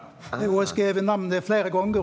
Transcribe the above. ho har skrive namnet fleire gonger.